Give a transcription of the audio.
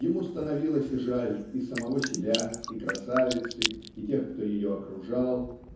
Ему становилось жаль и самого себя и красавицы и тех кто ее окружал